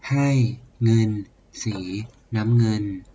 ให้เงินสีน้ำเงิน